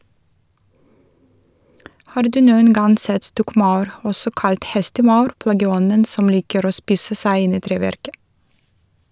Har du noen gang sett stokkmaur , også kalt hestemaur, plageånden som liker å spise seg inn i treverket?